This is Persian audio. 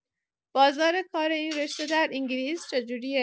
بازار کار این رشته در انگلیس چه جوریه؟